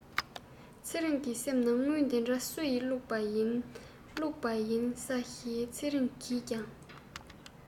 ཚེ རིང གི སེམས ནང དངུལ འདི འདྲ སུ ཡི བླུག པ ཡིན བླུག པ ཡིན ས བཞིན ཚེ རིང གིས ཀྱང